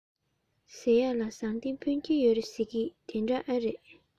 ཟེར ཡས ལ ཟངས གཏེར འཕོན ཆེན ཡོད རེད ཟེར གྱིས དེ འདྲ ཨེ ཡིན